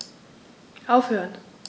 Aufhören.